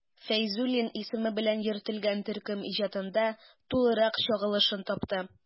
Фәйзуллин исеме белән йөртелгән төркем иҗатында тулырак чагылышын тапты.